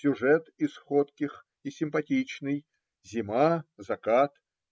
сюжет - из ходких и симпатичный: зима, закат